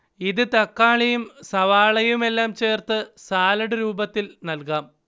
ഇത് തക്കാളിയും സവാളയുമെല്ലാം ചേർത്ത് സാലഡ് രൂപത്തിൽ നൽകാം